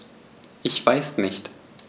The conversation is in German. Ich weiß nicht.